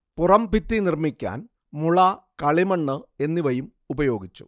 പുറം ഭിത്തി നിർമ്മിക്കാൻ മുള കളിമണ്ണ് എന്നിവയും ഉപയോഗിച്ചു